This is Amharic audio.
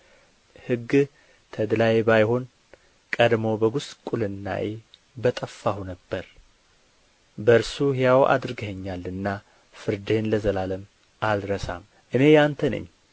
ሕግህ ተድላዬ ባይሆን ቀድሞ በጐስቍልናዬ በጠፋሁ ነበር በእርሱ ሕያው አድርገኸኛልና ፍርድህን ለዘላለም አልረሳም እኔ የአንተ ነኝ